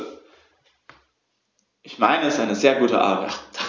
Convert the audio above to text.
Ich meine, es ist eine sehr gute Arbeit.